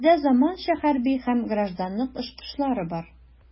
Бездә заманча хәрби һәм гражданлык очкычлары бар.